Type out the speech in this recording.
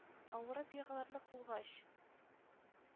Авырып егылырлык булгач...